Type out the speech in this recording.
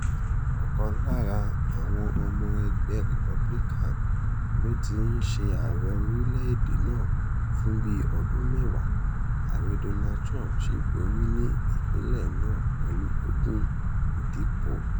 Ọ̀kan lára àwọn ọmọ ẹgbẹ́ Republican ló ti ń ṣe ààrẹ orílẹ̀-èdè náà fún bí ọdún mẹ́wàá, Ààrẹ Donald Trump sì borí ní ìpínlẹ̀ náà pẹ̀lú ogún ìdìpọ̀.